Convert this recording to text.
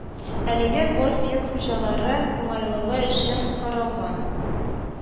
Әлеге пост йөк хуҗалары уңайлыгы өчен каралган